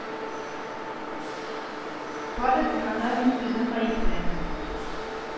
Барысына да мин үзем гаепле